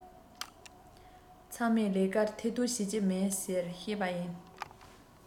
ཚང མའི ལས ཀར ཐེ གཏོགས བྱེད ཀྱི མིན ཟེར བཤད པ ཡིན